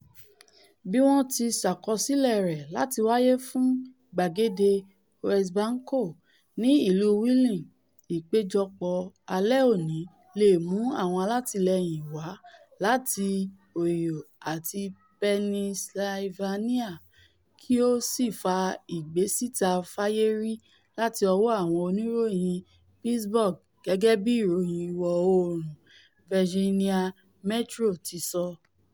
Bí wọń ti ṣ̀akọsílẹ̀ rẹ̀ láti wáyé fún Gbàgede Wesbanco ní ìlú Wheeling, ìpéjọpọ̀ alẹ́ òni leè mú àwọn alátìlẹ̵̵yìn wá láti ''Ohio àti Pennysylvania kí ó sì fa ìgbésíta fáyé rí láti ọwọ́ àwọn oníròyìn Pittsburgh,'' gẹ́gẹ̵́bí Ìròyìn Ìwọ̀-oòrùn Virginia Metro tisọ.